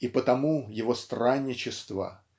И потому его странничество